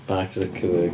Bark Zuckerberg.